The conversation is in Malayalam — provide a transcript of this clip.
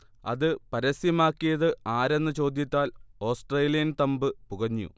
അത് പരസ്യമാക്കിയത് ആരെന്ന ചോദ്യത്താൽ ഓസ്ട്രേലിയൻ തമ്പ് പുകഞ്ഞു